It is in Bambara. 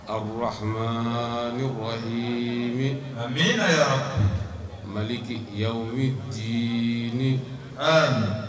A nihi a amiinayara mali yawo ni jigin ni a